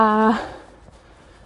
a,